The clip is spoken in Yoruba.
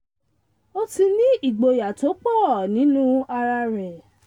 "Ó ti ní ìgboyà tó pọ̀ nínú ara rẹ̀.